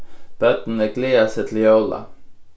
børnini gleða seg til jóla